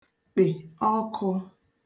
kpè ọkụ̄